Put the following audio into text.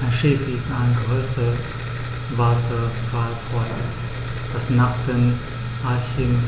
Ein Schiff ist ein größeres Wasserfahrzeug, das nach dem archimedischen